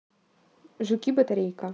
жуки батарейка